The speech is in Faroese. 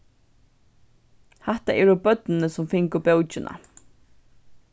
hatta eru børnini sum fingu bókina